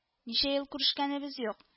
Ничә ел күрешкәнебез юк